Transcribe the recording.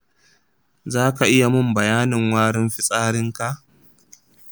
zaka iya mun bayanin warin fitsarinka?